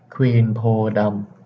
ควีนโพธิ์ดำ